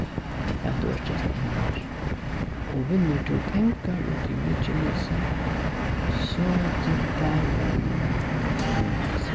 at økjast enn meir og vinnur tú pengar úti í mykinesi so dryppar í kommunukassa